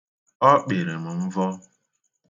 Ọ kpịrị m mvọ.